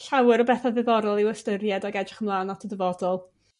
llawer o bethau ddiddorol yw ystyried ag edrych ymlaen at y dyfodol.